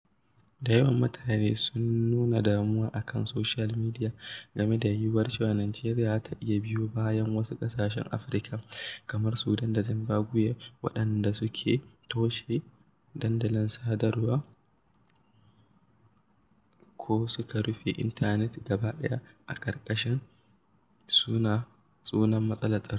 Da yawan mutane sun nuna damuwa a kan soshiyal midiya game da yiwuwar cewa Najeriya za ta iya biyo bayan wasu ƙasashen Afirka [kamar Sudan da Zimbabwe] waɗanda suke toshe dandulan sadarwa ko suka rufe intanet gabaɗaya a ƙarƙashin sunan matsalar tsaro.